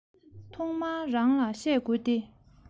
ཐོག མར རང ལ བཤད དགོས ཏེ